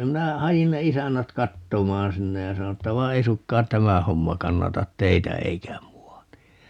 minä hain ne isännät katsomaan sinne ja sanoin että vai ei suinkaan tämä homma kannata teitä eikä minua niin